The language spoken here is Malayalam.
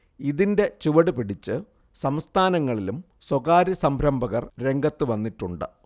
ഇതിന്റെ ചുവടുപിടിച്ച് സംസ്ഥാനങ്ങളിലും സ്വകാര്യ സംരംഭകർ രംഗത്തു വന്നിട്ടുണ്ട്